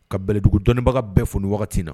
Ka bɛlɛdugu dɔnnibaga bɛɛ fo waati in na.